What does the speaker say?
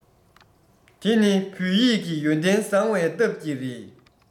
དེ ནི བོད ཡིག གི ཡོན ཏན བཟང བའི སྟབས ཀྱིས རེད